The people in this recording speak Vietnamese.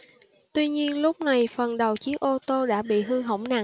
tuy nhiên lúc này phần đầu chiếc ô tô đã bị hư hỏng nặng